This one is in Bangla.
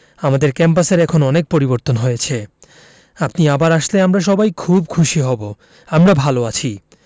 আমাদের ক্যাম্পাসের এখন অনেক পরিবর্তন হয়েছে আপনি আবার আসলে আমরা সবাই খুব খুশি হব আমরা ভালো আছি